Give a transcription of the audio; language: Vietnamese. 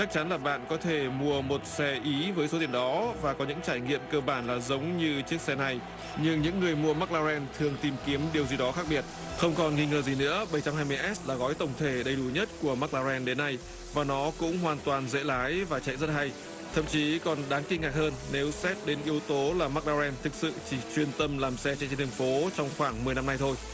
chắc chắn là bạn có thể mua một xe ý với số tiền đó và có những trải nghiệm cơ bản là giống như chiếc xe này nhưng những người mua mắc lo ren thường tìm kiếm điều gì đó khác biệt không còn nghi ngờ gì nữa bảy trăm hai mươi ét là gói tổng thể đầy đủ nhất của mắc lo ren đến nay mà nó cũng hoàn toàn dễ lái và chạy rất hay thậm chí còn đáng kinh ngạc hơn nếu xét đến yếu tố là mắc lo ren thực sự chỉ chuyên tâm làm xe trên đường phố trong khoảng mười năm nay thôi